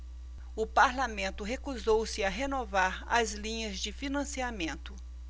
o parlamento recusou-se a renovar as linhas de financiamento